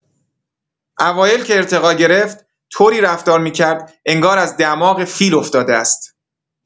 اوایل که ارتقا گرفت، طوری رفتار می‌کرد انگار از دماغ فیل افتاده است.